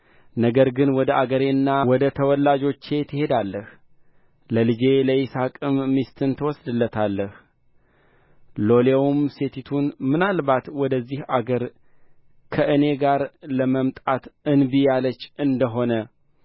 ነገር ግን ወደ አገሬና ወደ ተወላጆቼ ትሄዳለህ ለልጄ ለይስሐቅም ሚስትን ትወስድለታለህ ሎሌውም ሴቲቱ ምናልባት ወደዚህ አገር ከእኔ ጋር ለመምጣት እንቢ ያለች እንደ ሆነ